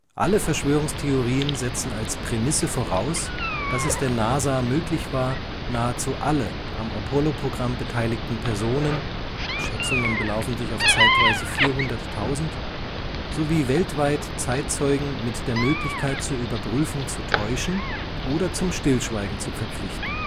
Alle Verschwörungstheorien setzen als Prämisse voraus, dass es der NASA möglich war, nahezu alle am Apollo-Programm beteiligten Personen (Schätzungen belaufen sich auf zeitweise 400.000) sowie weltweit Zeitzeugen mit der Möglichkeit zur Überprüfung zu täuschen oder zum Stillschweigen zu verpflichten